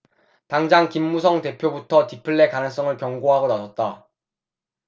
당장 김무성 대표부터 디플레 가능성을 경고하고 나섰다